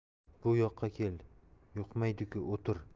bu yoqqa kel yuqmaydiku o'tir